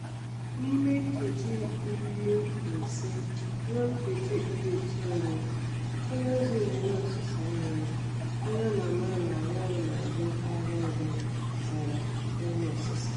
N'ime nkeji 15 ruo nkeji 90, onye ozi na-enye ọsịsa ihe(onye ama ama na-arụ ọrụ n'azụ mpaghara ebe) zara n'olu ọsịsa.